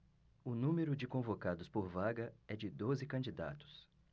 o número de convocados por vaga é de doze candidatos